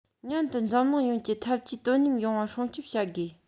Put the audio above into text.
མཉམ དུ འཛམ གླིང ཡོངས ཀྱི འཐབ ཇུས དོ མཉམ ཡོང བ སྲུང སྐྱོང བྱ དགོས